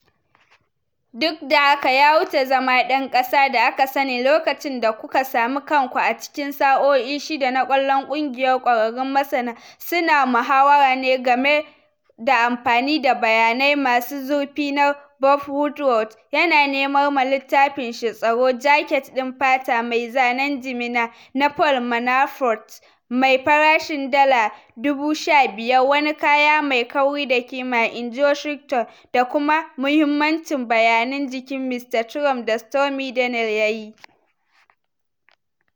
"Duk da haka, ya wuce zama ɗan ƙasa da aka sani lokacin da kuka sami kanku a cikin sa'o'i shida na kallon ƙungiyar ƙwararrun masana suna muhawara game da amfani da “bayanai masu zurfi” na Bob Woodward yana nemar ma littafin shi “Tsoro,” Jaket ɗin fata mai zanen jimina na Paul Manafort mai farashin dala 15,000 (“wani kaya mai kauri da kima,” in ji Washington) da kuma muhimmancin bayanin jikin Mr Trump da Stormy Daniel ya yi.